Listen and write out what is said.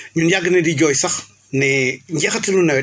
ñun yàgg nañ di jooy sax ne njeexitalu nawet